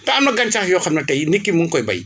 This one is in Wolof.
te am na gàncxa yoo xam ne tey nit ki mu ngi koy béy